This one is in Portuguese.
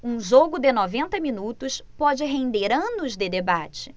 um jogo de noventa minutos pode render anos de debate